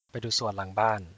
ไปดูสวนหลังบ้าน